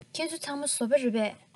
ཁྱེད ཚོ ཚང མ བཟོ པ རེད པས